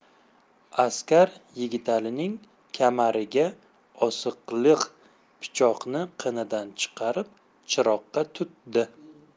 askar yigitalining kamariga osig'liq pichoqni qinidan chiqarib chiroqqa tutdi